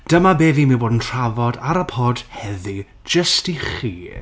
Dyma be fi'n mynd bod yn trafod ar y pod heddi jyst i chi.